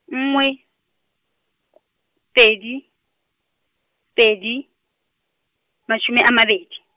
nngwe , pedi, pedi, mashome a mabedi.